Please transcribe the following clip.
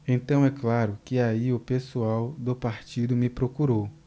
então é claro que aí o pessoal do partido me procurou